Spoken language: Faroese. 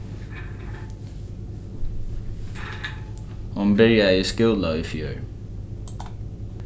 hon byrjaði í skúla í fjør